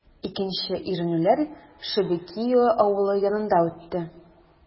Икенче өйрәнүләр Шебекиио авылы янында үтте.